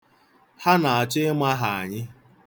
Ha na-achọ ịmaha anyị.